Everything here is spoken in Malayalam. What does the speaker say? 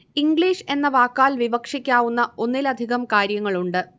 ഇംഗ്ലീഷ് എന്ന വാക്കാൽ വിവക്ഷിക്കാവുന്ന ഒന്നിലധികം കാര്യങ്ങളുണ്ട്